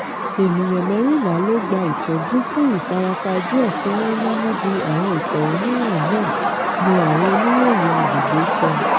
Ènìyàn mẹ́rìńlá́ ló gba ìtọ́jú fún ìfarapa díẹ̀ tí wọ́n ní níbí àwọn ìfẹ̀hónúhàn náà, ni àwọn oníròyìn agbègbè sọ.